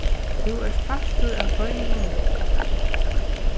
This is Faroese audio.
tú ert partur av toyminum nú